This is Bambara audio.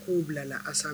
O bilala asa